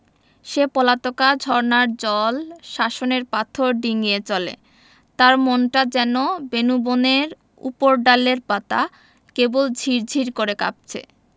সে পলাতকা ঝরনার জল শাসনের পাথর ডিঙ্গিয়ে চলে তার মনটা যেন বেনূবনের উপরডালের পাতা কেবল ঝির ঝির করে কাঁপছে